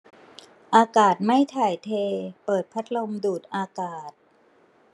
อากาศไม่ถ่ายเทเปิดพัดลมดูดอากาศ